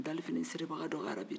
dalifini siribagaa dɔgɔyara